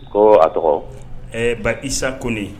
Ko a tɔgɔ ɛɛ ba isa kodi